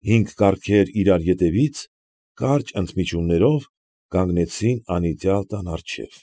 Հինգ կառքեր իրար ետևից, կարճ ընդմիջումներով, կանգնեցիր անիծյալ տան առջև։